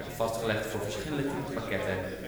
vastgelegd voor verschillende typen pakketten